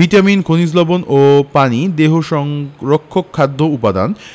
vitamin খনিজ লবন ও পানি দেহ সংরক্ষক খাদ্য উপাদান